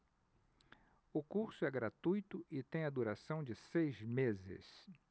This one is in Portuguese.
o curso é gratuito e tem a duração de seis meses